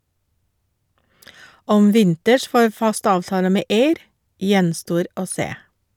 Om Winters får fast avtale med Ayr, gjenstår å se.